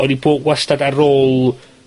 o'n i bo-, wastad ar ôl